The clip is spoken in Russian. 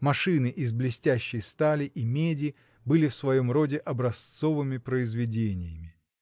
Машины из блестящей стали и меди были в своем роде образцовыми произведениями.